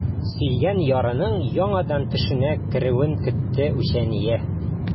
Сөйгән ярының яңадан төшенә керүен көтте үчәния.